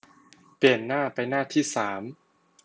เปลี่ยนหน้าไปหน้าที่สาม